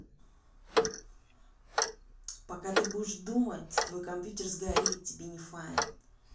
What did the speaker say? пока ты будешь думать твой компьютер сгорит тебе не fine